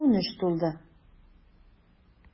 Унөч тулды.